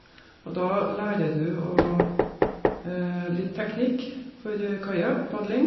Og da lærer du å litt teknikk for kajakkpadling.